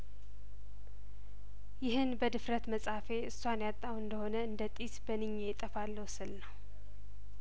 ይህን በድፍረት መጻፌ እሷን ያጣሁ እንደሆን እንደጢስ በንኘ እጠፋለሁ ስል ነው